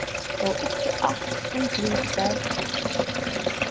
tó ikki alt sum glitrar